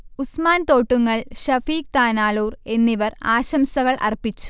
ഉസ്മാൻ തോട്ടുങ്ങൽ, ഷഫീഖ് താനാലൂർ എന്നിവർ ആശംസകൾ അർപ്പിച്ചു